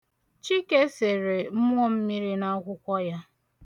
Chike sere mmụọmmiri n'akwụkwọ ya.